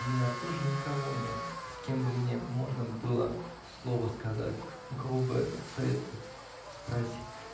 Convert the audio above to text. У меня тоже никого нет, с кем бы мне можно было слово сказать, у кого бы совета спросить.